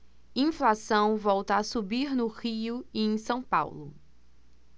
inflação volta a subir no rio e em são paulo